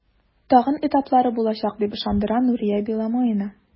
Тагын этаплары булачак, дип ышандыра Нурия Беломоина.